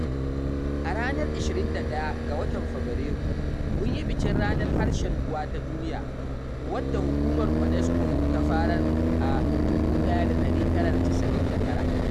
A ranar 21 ga watan Fabrairu mun yi bikin ranar Harshen Uwa ta Duniya, wadda Hukumar UNESCO ta farar a 1999.